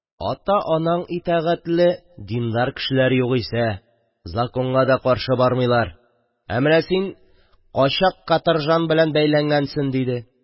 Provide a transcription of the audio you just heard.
Ата-анаң итәгатьле, диндар кешеләр югыйсә, законга да каршы бармыйлар, ә менә син качак катыржан белән бәйләнгәнсең, – диде.